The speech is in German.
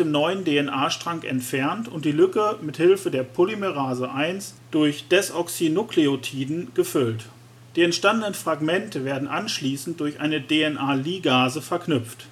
neuen DNA-Strang entfernt und die Lücke mit Hilfe der Polymerase I durch Desoxynukleotiden gefüllt. Die entstandenen Fragmente werden anschließend durch eine DNA-Ligase verknüpft